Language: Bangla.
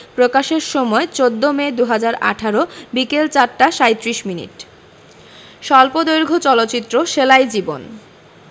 প্রকাশের সময় ১৪মে ২০১৮ বিকেল ৪ টা ৩৭ মিনিট স্বল্পদৈর্ঘ্য চলচ্চিত্র সেলাই জীবন